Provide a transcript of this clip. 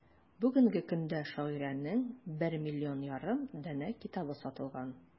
Бүгенге көндә шагыйрәнең 1,5 миллион данә китабы сатылган.